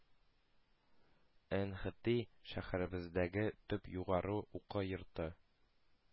– энхытыи– шәһәребездәге төп югары уку йорты,